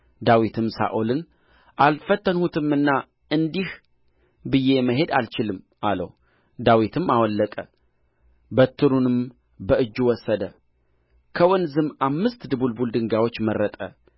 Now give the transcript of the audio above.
ዳዊትም ሳኦልን አልፈተንሁትምና እንዲህ ብዬ መሄድ አልችልም አለው ዳዊትም አወለቀ በትሩንም በእጁ ወሰደ ከወንዝም አምስት ድብልብል ድንጋዮችን መረጠ